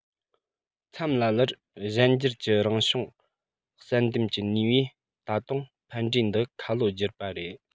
མཚམས ལ ལར གཞན འགྱུར གྱི རང བྱུང བསལ འདེམས ཀྱི ནུས པས ད དུང ཕན འབྲས འདི ཁ ལོ བསྒྱུར པ རེད